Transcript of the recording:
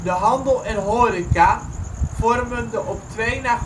handel en horeca vormen de op twee na